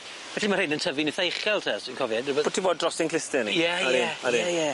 Felly ma' rhein yn tyfu'n itha uchel te, os dwi'n cofio unrywbeth... Byti bod dros ein cluste ni. Ie ie. Odi. Ie ie. Odi.